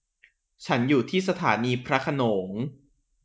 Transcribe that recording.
ฉันอยู่ที่สถานีพระโขนง